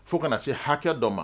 Fo kana na se hakɛ dɔ ma